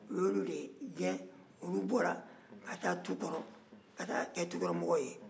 u y'olu de gɛn olu taara sigi tu kɔrɔ ka kɛ tukɔrɔmaa ye